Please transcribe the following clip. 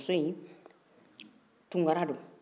muso in tunkara do